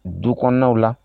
Du kɔnɔ la